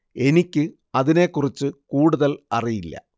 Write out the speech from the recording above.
എനിക്ക് അതിനെ കുറിച്ച് കൂടുതല്‍ അറിയില്ല